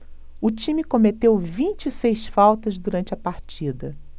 o time cometeu vinte e seis faltas durante a partida